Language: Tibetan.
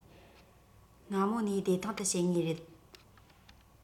སྔ མོ ནས བདེ ཐང དུ བྱེད ངེས རེད